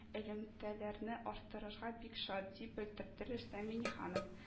Элемтәләрне арттырырга бик шат", - дип белдерде рөстәм миңнеханов